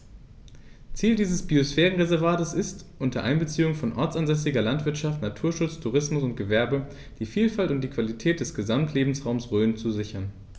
Ziel dieses Biosphärenreservates ist, unter Einbeziehung von ortsansässiger Landwirtschaft, Naturschutz, Tourismus und Gewerbe die Vielfalt und die Qualität des Gesamtlebensraumes Rhön zu sichern.